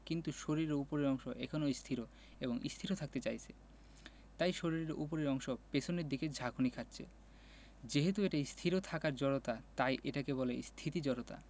কিন্তু শরীরের ওপরের অংশ এখনো স্থির এবং স্থির থাকতে চাইছে তাই শরীরের ওপরের অংশ পেছনের দিকে ঝাঁকুনি খাচ্ছে যেহেতু এটা স্থির থাকার জড়তা তাই এটাকে বলে স্থিতি জড়তা